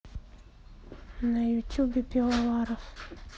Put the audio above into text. на ютубе пивоваров